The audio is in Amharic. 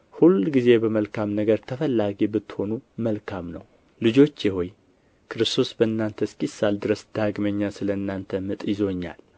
ሁልጊዜ በመልካም ነገር ተፈላጊ ብትሆኑ መልካም ነው ልጆቼ ሆይ ክርስቶስ በእናንተ እስኪሣል ድረስ ዳግመኛ ስለ እናንተ ምጥ ይዞኛል